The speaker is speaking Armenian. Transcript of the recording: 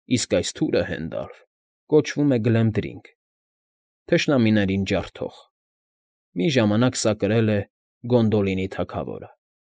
Իսկ այս թուրը, Հենդալֆ, կոչվում է Գլեմդրինգ՝ Թշնամիներին Ջարդող. մի ժամանակ սա կրել է Գոնդոլինի թագավորը։